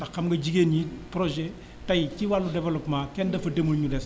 ndax xam nga jigéen ñi projet tey ci wàllu développement kenn dafa demul ñu des